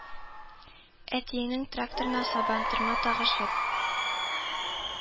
Әтиеңнең тракторына сабан, тырма тагышып